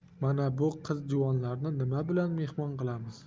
mana bu qiz juvonlarni nima bilan mehmon qilamiz